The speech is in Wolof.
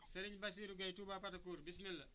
Serigne Bassirou Gueye touba Fatakour bisimilah